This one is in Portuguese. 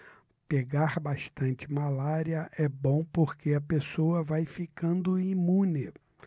pegar bastante malária é bom porque a pessoa vai ficando imune